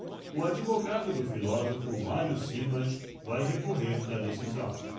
o advogado do filósofo mário simas vai recorrer da decisão